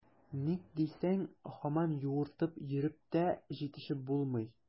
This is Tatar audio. Ник дисәң, һаман юыртып йөреп тә җитешеп булмый.